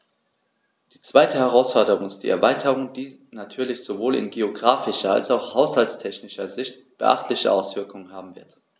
Die zweite Herausforderung ist die Erweiterung, die natürlich sowohl in geographischer als auch haushaltstechnischer Sicht beachtliche Auswirkungen haben wird.